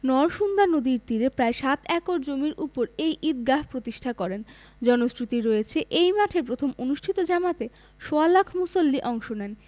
নরসুন্দা নদীর তীরে প্রায় সাত একর জমির ওপর এই ঈদগাহ প্রতিষ্ঠা করেন জনশ্রুতি রয়েছে এই মাঠে প্রথম অনুষ্ঠিত জামাতে সোয়া লাখ মুসল্লি অংশ নেন